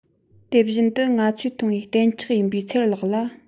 དེ བཞིན དུ ང ཚོས མཐོང བའི བརྟན ཆགས ཡིན པའི ཚེར ལག ལ